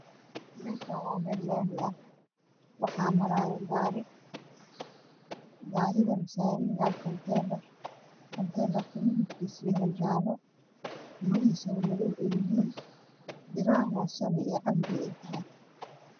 Meshan waa meel laami ah waxaa maraayo gaari waxana saaran kunteenar midabkiisuna waa jaale Lugaha gaarigana waa madoow biraha hoosana waa orange